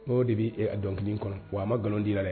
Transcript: O' de bɛ dɔnkili kɔnɔ wa a ma nkalondi yɛrɛ dɛ